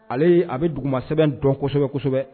Ale a bɛ dugumasɛbɛn dɔn kosɛbɛ kosɛbɛ